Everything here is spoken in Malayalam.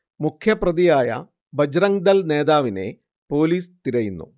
മുഖ്യപ്രതിയായ ബജ്റങ്ദൾ നേതാവിനെ പോലീസ് തിരയുന്നു